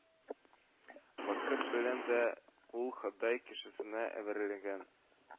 Вакыт белән дә ул Ходай кешесенә әверелгән